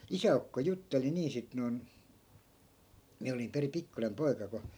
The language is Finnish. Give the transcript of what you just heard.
isäukko jutteli niin sitten noin minä olin perin pikkuinen poika kun